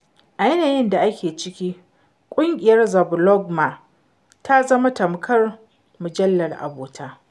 A yanayin da ake ciki, Ƙungiyar the Blogma ta zama tamkar mujallar abota.